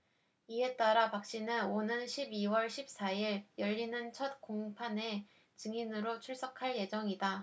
이에 따라 박씨는 오는 십 이 월 십 사 일 열리는 첫 공판에 증인으로 출석할 예정이다